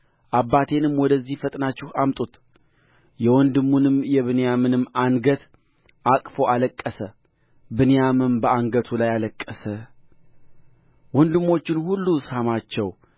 አባቴንም ወደዚህ ፈጥናችሁ አምጡት የወንድሙን የብንያምንም አንገት አቅፎ አለቀሰ ብንያምም በአንገቱ ላይ አለቀሰ ወንድሞቹን ሁሉ ሳማቸው